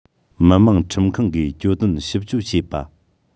མི དམངས ཁྲིམས ཁང གིས གྱོད དོན ཞིབ གཅོད བྱེད པ